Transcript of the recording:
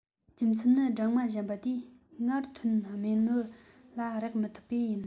རྒྱུ མཚན ནི སྦྲང མ གཞན པ དེའི མངར ཐོན རྨེན བུ ལ རེག མི ཐུབ པས ཡིན